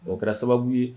O kɛra sababu ye